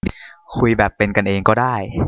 คุยแบบเป็นกันเองก็ได้